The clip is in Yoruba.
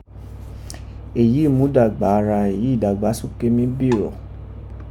eyi imudagba ara èyí idagbasoke mí bírọ̀.